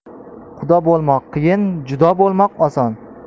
quda bo'lmoq qiyin judo bo'lmoq oson